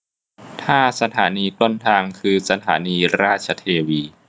ถ้าสถานีต้นทางคือสถานีราชเทวี